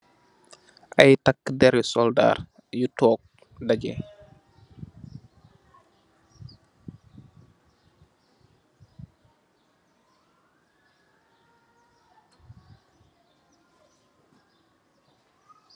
Ay taka dèrru soldar yu tóóg dajjeh.